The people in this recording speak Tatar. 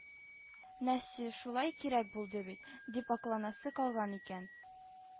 Нәсе, шулай кирәк булды бит, дип акланасы калган икән